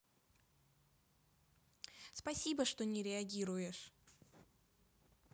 спасибо что не реагируешь